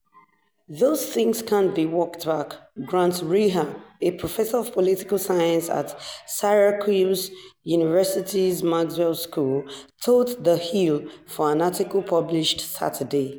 Those things can't be walked back," Grant Reeher, a professor of political science at Syracuse University's Maxwell School told The Hill for an article published Saturday.